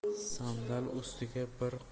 sandal ustiga bir